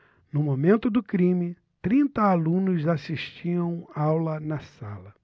no momento do crime trinta alunos assistiam aula na sala